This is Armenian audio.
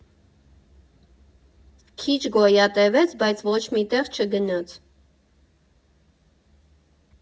Քիչ գոյատևեց, բայց ոչ մի տեղ չգնաց։